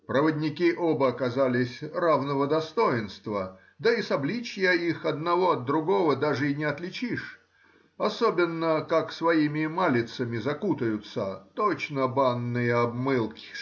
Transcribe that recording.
Проводники оба казались равного достоинства, да и с обличья их одного от другого даже и не отличишь, особенно как своими малицами закутаются,— точно банные обмылки